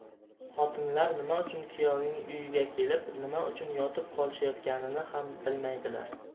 xotinlar nima uchun kuyovning uyiga kelib nima uchun yotib qolishayotganini ham bilmaydilar